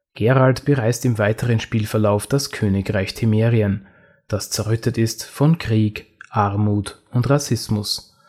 Geralt bereist im weiteren Spielverlauf das Königreich Temerien, das zerrüttet ist von Krieg, Armut und Rassismus